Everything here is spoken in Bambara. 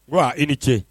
Bura i ni ce